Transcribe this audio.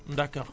d' accord